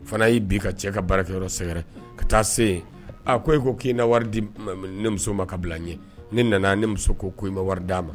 Fana y'i bi ka cɛ ka baarakɛyɔrɔ sɛgɛrɛ ka taa se yen a ko e ko k'i na wari di ne muso ma ka bila n ɲɛ ne nana ne muso ko ko i bɛ wari d'a ma